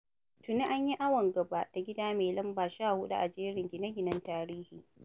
Tuni an yi awon gaba da gida mai lamba 14 a jerin gine-ginen tarihi.